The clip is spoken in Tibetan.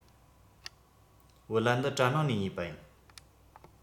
བོད ལྭ འདི གྲ ནང ནས ཉོས པ ཡིན